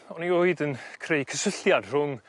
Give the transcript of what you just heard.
o'n i ioed yn creu cysylltiad rhwng